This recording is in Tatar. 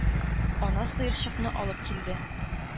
Ана сыерчыкны алып килде.